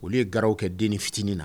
Olu ye gaw kɛ den fitinin na